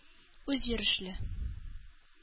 Үзйөрешле